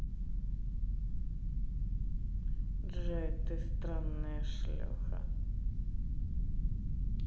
джой ты странная шлюха